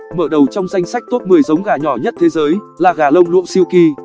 mở đầu trong danh sách top giống gà nhỏ nhất thế giới là gà lông lụa silkie